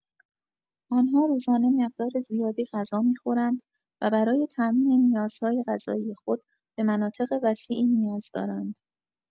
آنها روزانه مقدار زیادی غذا می‌خورند و برای تامین نیازهای غذایی خود به مناطق وسیعی نیاز دارند.